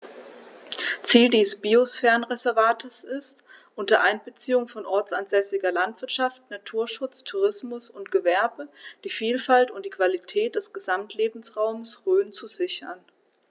Ziel dieses Biosphärenreservates ist, unter Einbeziehung von ortsansässiger Landwirtschaft, Naturschutz, Tourismus und Gewerbe die Vielfalt und die Qualität des Gesamtlebensraumes Rhön zu sichern.